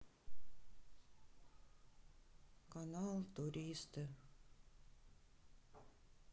канал туристы